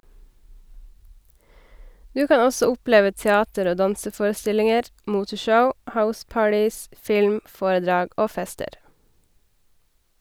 Du kan også oppleve teater- og danseforestillinger, moteshow, house-parties, film, foredrag og fester!